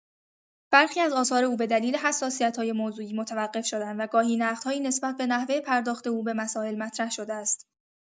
برخی از آثار او به دلیل حساسیت‌های موضوعی متوقف شدند و گاهی نقدهایی نسبت به نحوه پرداخت او به مسائل مطرح شده است.